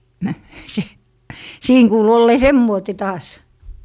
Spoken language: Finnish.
- siinä kuului olleen semmoinen taas